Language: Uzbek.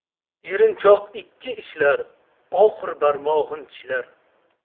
erinchoq ikki ishlar oxiri barmog'ini tishlar